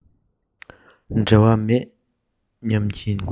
འབྲེལ བ མེད སྙམ གྱིན